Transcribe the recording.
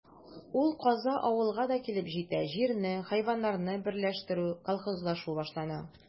Ул каза авылга да килеп җитә: җирне, хайваннарны берләштерү, колхозлашу башлана.